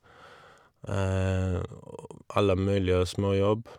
Og alle mulige småjobb.